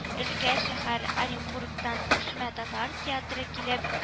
Өлкә шәһәр орынбуртан күчмә татар театры килеп